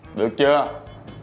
được chưa